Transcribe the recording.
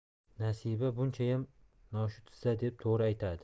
nasiba bunchayam noshudsiza deb to'g'ri aytadi